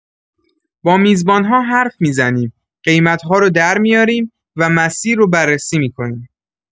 با میزبان‌ها حرف می‌زنیم، قیمت‌ها رو درمی‌اریم و مسیر رو بررسی می‌کنیم.